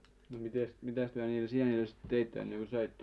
no mitenkäs mitäs te niille sienille sitten teitte ennen kuin söitte